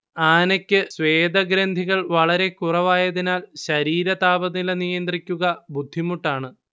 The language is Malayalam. ആനയ്ക്ക് സ്വേദഗ്രന്ഥികൾ വളരെക്കുറവായതിനാൽ ശരീരതാപനില നിയന്ത്രിക്കുക ബുദ്ധിമുട്ടാണ്